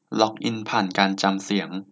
ล็อกอินผ่านการจำเสียง